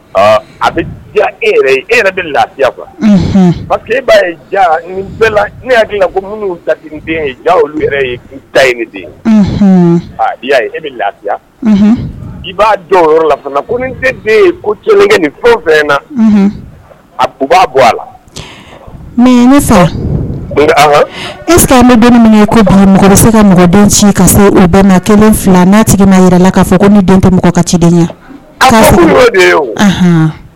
A ja e e yɛrɛ bɛ lafiya kuwa'a ja ne y'a ko minnu ja olu yɛrɛ nin den i y yaa e bɛ lafiya i b'a don yɔrɔ la ko den kelen kɛ nin na a b b' bɔ a la fa e ye ko mɔgɔ se ka mɔgɔ den ci ka se u bɛɛ kelen fila n'a tigi ma yɛrɛ la k'a fɔ ko ni den tɛ mɔgɔ ka ciden de